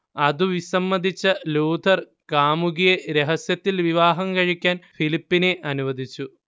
അതു വിസമ്മതിച്ച ലൂഥർ കാമുകിയെ രഹസ്യത്തിൽ വിവാഹം കഴിക്കാൻ ഫിലിപ്പിനെ അനുവദിച്ചു